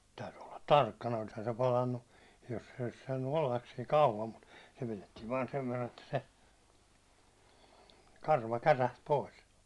täytyi olla tarkkana olisihan se palanut jos se olisi saanut olla siinä kauan mutta se pidettiin vain sen verran että se karva kärähti pois